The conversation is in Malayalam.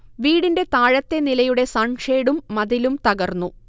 വീടിൻെറ താഴത്തെ നിലയുടെ സൺഷേഡും മതിലും തകർന്നു